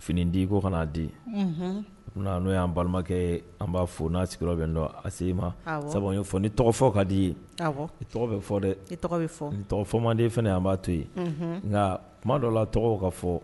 Fini di ko kanaa di n'o y'an balimakɛ an b'a fɔ n'a sigiyɔrɔ bɛ dɔn a se e ma sabu fɔ ni tɔgɔ fɔ ka di i ye tɔgɔ bɛ fɔ dɛ fɔ tɔgɔ fɔmaden fana an b'a to yen nka kuma dɔ la tɔgɔ ka fɔ